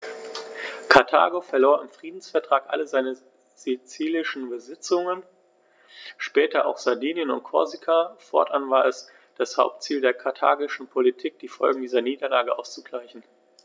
Karthago verlor im Friedensvertrag alle seine sizilischen Besitzungen (später auch Sardinien und Korsika); fortan war es das Hauptziel der karthagischen Politik, die Folgen dieser Niederlage auszugleichen.